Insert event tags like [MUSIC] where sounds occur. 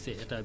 [HESITATION] [HESITATION]